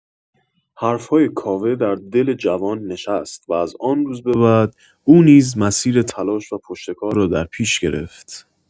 حرف‌های کاوه در دل جوان نشست و از آن روز به بعد، او نیز مسیر تلاش و پشتکار را در پیش گرفت.